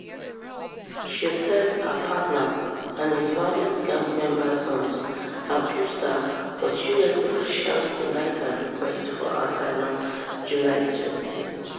She said her partner "and his violent gang member sons," abused her but U.S. officials denied her request for asylum July 20.